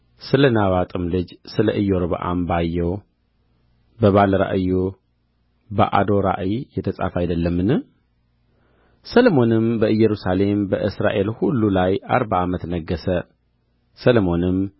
ስለ ናባጥም ልጅ ስለ ኢዮርብዓም ባየው በባለ ራእዩ በአዶ ራእይ የተጻፈ አይደለምን ሰሎሞንም በኢየሩሳሌም በእስራኤል ሁሉ ላይ አርባ ዓመት ነገሠ ሰሎሞንም